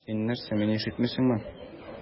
Син нәрсә, мине ишетмисеңме?